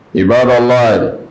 I' la